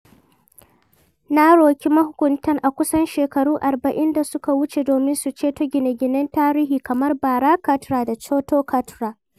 Na roƙi mahukunta a kusan shekaru arba'in da suka wuce domin su ceto gine-ginen tarihi kamar Bara Katra da Choto Katra.